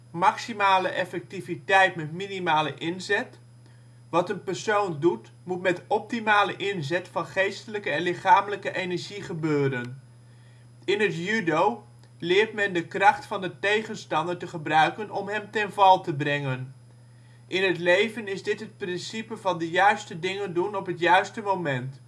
Maximale effectiviteit met minimale inzet): wat een persoon doet, moet met optimale inzet van geestelijke en lichamelijke energie gebeuren. In het judo leert men de kracht van de tegenstander te gebruiken om hem ten val te brengen. In het leven is dit het principe van de juiste dingen doen op het juiste moment